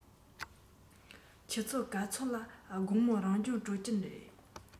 ཆུ ཚོད ག ཚོད ལ དགོང མོའི རང སྦྱོང གྲོལ གྱི རེད